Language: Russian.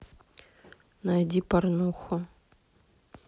найди порнуху